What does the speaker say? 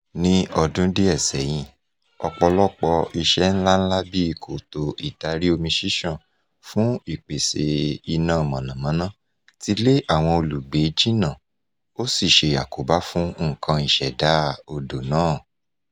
Ní ọdún díẹ̀ sẹ́yìn, ọ̀pọ̀lọpọ̀ iṣẹ́ ńláǹlà bíi kòtò ìdarí-omi ṣíṣàn fún Ìpèsè Iná Mànàmáná ti lé àwọn olùgbé jìnà ó sì ń ṣe àkóbá fún nnkan ìṣẹ̀dá odò náà.